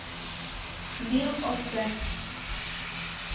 bill of the